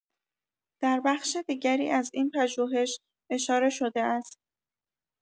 در بخش دیگری از این پژوهش اشاره‌شده است